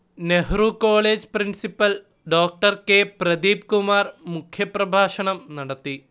Nehru college principal Dr K Pradeepkumar മുഖ്യപ്രഭാഷണം നടത്തി